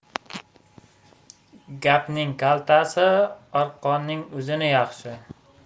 gapning kaltasi arqonning uzuni yaxshi